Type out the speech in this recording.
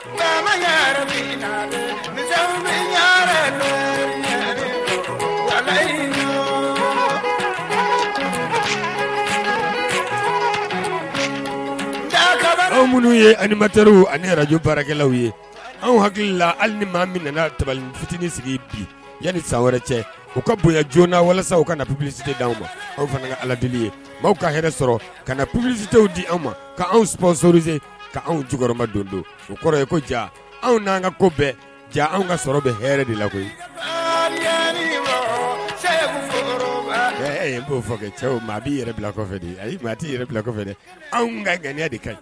Ja anw minnu ye ani ma teriw ani yɛrɛj baarakɛlaw ye anw hakili la hali ni maa min ta fitinin sigi bi yan ni sa wɛrɛ cɛ u ka bonya joona walasasaw ka na pbiilisite di aw ma aw fana ka ala delieli ye aw ka hɛrɛ sɔrɔ ka na pbiilisitew di anw ma ka anw sɔrɔ srie ka anw jma don don o kɔrɔ ye ko ja anw n'an ka ko jaa anw ka sɔrɔ bɛ hɛrɛ de la b'o kɛ cɛw a b'i yɛrɛ bila kɔfɛ di a maa t yɛrɛ bila kɔfɛ dɛ anw ka ŋ de ka